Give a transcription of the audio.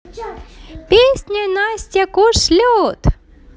песня настя кош лед